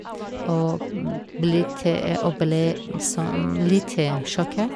og blitt Og ble som litt sjokkert.